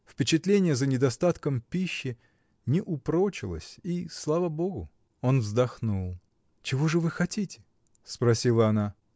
Впечатление, за недостатком пищи, не упрочилось — и слава Богу! Он вздохнул. — Чего же вы хотите? — спросила она.